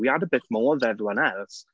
We had a bit more of everyone else.